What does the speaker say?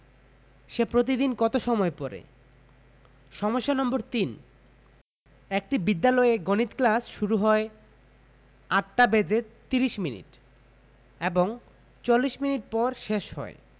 সে প্রতিদিন কত সময় পড়ে সমস্যা নম্বর ৩ একটি বিদ্যালয়ে গণিত ক্লাস শুরু হয় ৮টা বেজে ৩০ মিনিট এবং ৪০ মিনিট পর শেষ হয়